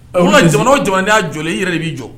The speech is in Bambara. Jamana jamanadenya jɔ i yɛrɛ de b'i jɔ